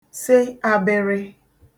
se àbịrị